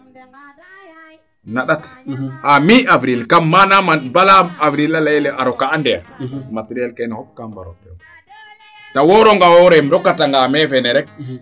na ndat a mi avril kam manaam bala avril a leyele a roka a ndeer materiel keene fop ka mbaro teew te worongo woore im roka tanga mai fene rek